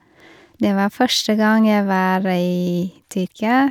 Det var første gang jeg var i Tyrkia.